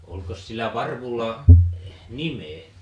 olikos sillä varvulla nimeä